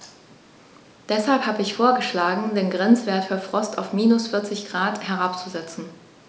Deshalb habe ich vorgeschlagen, den Grenzwert für Frost auf -40 ºC herabzusetzen.